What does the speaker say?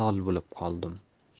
olmay lol bo'lib qoldim